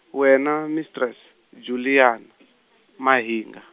wena mistrese, Juliana , Mahinga.